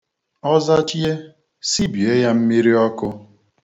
Ọ zachie, si bie ya mmiri ọkụ.